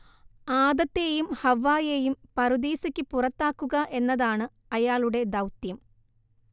ആദത്തേയും ഹവ്വായേയും പറുദീസയ്ക്ക് പുറത്താക്കുക എന്നതാണ് അയാളുടെ ദൗത്യം